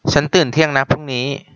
ฉันตื่นเที่ยงนะพรุ่งนี้